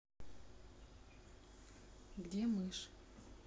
где мышь